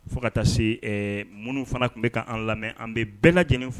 Fo ka taa se minnu fana tun bɛ kaan lamɛn an bɛ bɛɛ lajɛlen